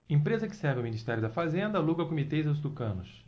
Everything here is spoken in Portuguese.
empresa que serve ao ministério da fazenda aluga comitê aos tucanos